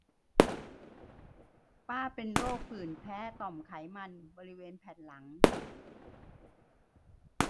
ป้าเป็นโรคผื่นแพ้ต่อมไขมันบริเวณแผ่นหลัง